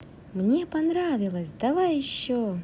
мне понравилось давай еще